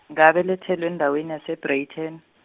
ngabelethelwa endaweni yase- Breyten.